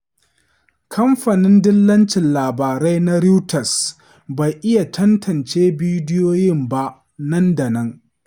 Kamfanin dillacin labarai na Reuters bai iya tantance bidiyon ba nan da nan.